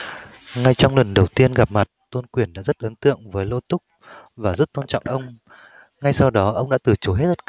ngay trong lần đầu tiên gặp mặt tôn quyền đã rất ấn tượng với lỗ túc và rất tôn trọng ông ngay sau đó ông đã từ chối hết